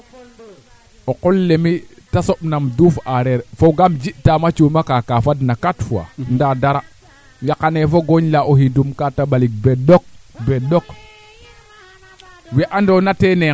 neeetew leyitna leytiro na Djiby o mbisiin angaam ma El hadj leyne leyanama El hadj e o feet ndax roog fata gara yoqanaam no radio le yaam kam enrigistré kaa